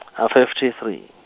a fifty three.